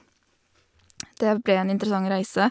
Det ble en interessant reise.